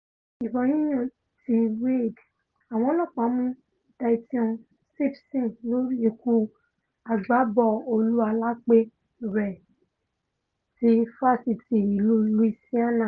Ìbọn yínyín ti Wayde: Àwọn ọlọ́ọ̀pá mú Dyteon Simpson lórí ikú agbábọ́ọ̀lù alápẹ̀rẹ̀ LSU